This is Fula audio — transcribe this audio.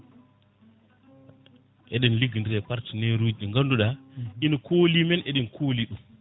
eɗen liggodira e partenaire uji ɗi ganduɗa ian koolimen eɗen kooli ɗum